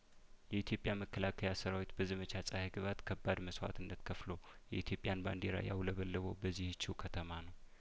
የኢትዮጵያ መከላከያ ሰራዊት በዘመቻ ጸሀይግባት ከባድ መስዋእትነት ከፍሎ የኢትዮጵያን ባንዲራ ያው ለበለበው በዚህችው ከተማ ነው